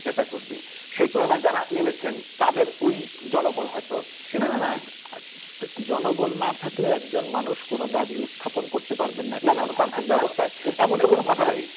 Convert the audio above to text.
নেতাকর্মী সে তুলনায় যারা নেমেছেন তাদের ওই জনবল ও হয়তো সেভাবে নাই না না না না জনবল না থাকলে একজন মানুষ কোন দাবি উত্থাপন করতে পারবেন না গণতান্ত্রিক ব্যবস্থা এমন তো কোন কথা নেই